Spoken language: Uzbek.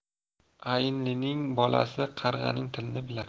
aynlining bolasi qarg'aning tilini bilar